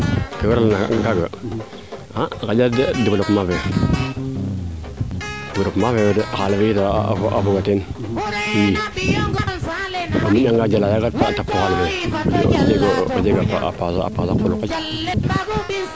ke waral na kaaga xanja developpement fee developpement feeyo de xaala a a jega i a miñ anga jala o jega